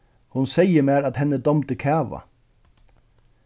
hon segði mær at henni dámdi kava